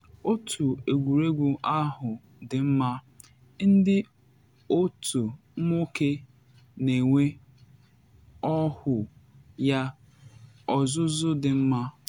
Otu egwuregwu ahụ dị mma, ndị otu m nwoke na enwe ọhụụ ya; ọzụzụ dị mma.